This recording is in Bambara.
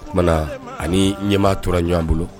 O tumana a ni ɲɛmaa tora ɲɔɔn bolo